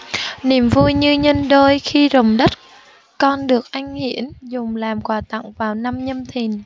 niềm vui như nhân đôi khi rồng đất con được anh hiển dùng làm quà tặng vào năm nhâm thìn